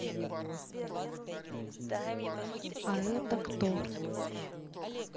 а это кто